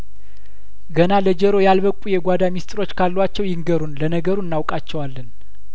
ገና ለጀሮ ያልበቁ የጓዳ ምስጢሮች ካሏቸው ይንገሩን ለነገሩ እናውቃቸዋለን